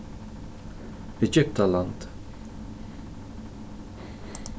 egyptaland